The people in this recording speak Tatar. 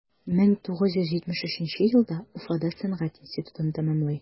1973 елда уфада сәнгать институтын тәмамлый.